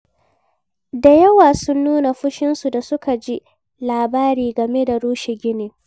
Da yawa sun nuna fushinsu da suka ji labari game da rushe ginin.